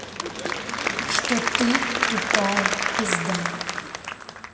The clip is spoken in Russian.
что ты тупая пизда